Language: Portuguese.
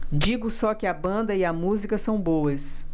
digo só que a banda e a música são boas